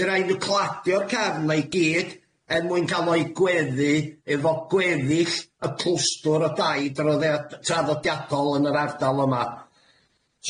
Fydd raid n'w cladio'r cefn 'na'i gyd er mwyn ca'l o i gweddu efo gweddill y clwstwr o dai droddiad- traddodiadol yn yr ardal yma.